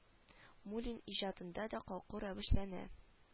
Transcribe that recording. Муллин иҗатында да калку рәвешләнә